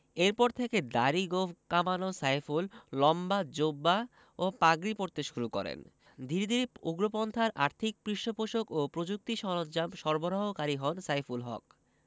এরপর থেকে দাড়ি গোঁফ কামানো সাইফুল লম্বা জোব্বা ও পাগড়ি পরতে শুরু করেন ধীরে ধীরে উগ্রপন্থার আর্থিক পৃষ্ঠপোষক ও প্রযুক্তি সরঞ্জাম সরবরাহকারী হন সাইফুল হক